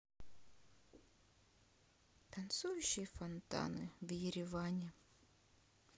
танцующие фонтаны в ереване